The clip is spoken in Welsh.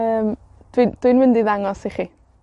Yym, dwi, dwi'n mynd i ddangos i chi.